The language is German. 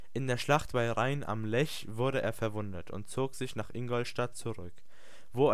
In der Schlacht bei Rain am Lech wurde er verwundet und zog sich nach Ingolstadt zurück, wo